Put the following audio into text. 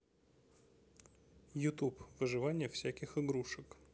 ютуб выживание всяких игрушек